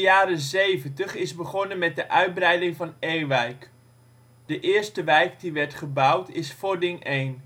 jaren zeventig is begonnen met de uitbreiding van Ewijk. De eerst wijk die werd gebouwd is Vording 1.